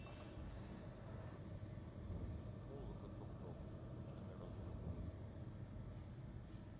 музыка ток ток нрзб